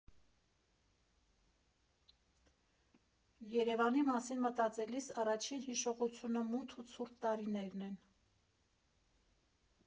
Երևանի մասին մտածելիս առաջին հիշողությունը մութ ու ցուրտ տարիներն են.